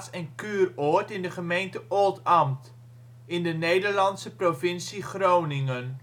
en kuuroord in de gemeente Oldambt in de Nederlandse provincie Groningen